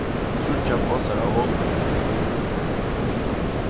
tríggjar posar av holukøkum